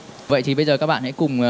vậy thì bây giờ các bạn hãy cùng